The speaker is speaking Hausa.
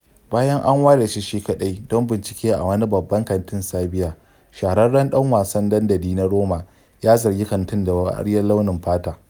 Bayan an ware shi shi kaɗai don bincike a wani babban kantin Serbia, shahararren ɗan wasan dandali na Roma ya zargi kantin da wariyar launin fata.